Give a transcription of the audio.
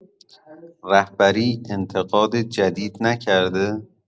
رهبری انتقاد جدید نکرده؟